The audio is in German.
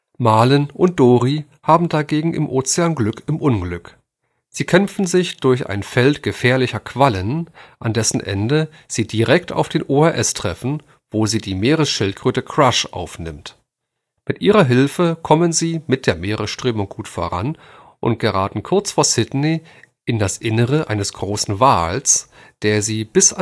Marlin und Dorie haben dagegen im Ozean Glück im Unglück. Sie kämpfen sich durch ein Feld gefährlicher Quallen, an dessen Ende sie direkt auf den OAS treffen, wo sie die Meeresschildkröte Crush aufnimmt. Mit ihrer Hilfe kommen sie mit der Meeresströmung gut voran und geraten kurz vor Sydney in das Innere eines großen Wals, der sie bis